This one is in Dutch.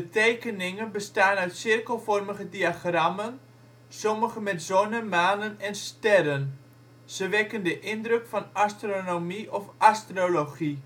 tekeningen bestaan uit cirkelvormige diagrammen, sommige met zonnen, manen en sterren. Ze wekken de indruk van astronomie of astrologie